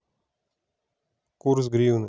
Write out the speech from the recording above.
курс гривны